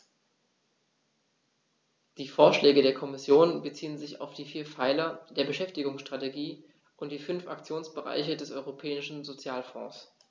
Die Vorschläge der Kommission beziehen sich auf die vier Pfeiler der Beschäftigungsstrategie und die fünf Aktionsbereiche des Europäischen Sozialfonds.